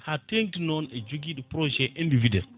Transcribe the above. ha tengti noon ejoguiɗo projet individuel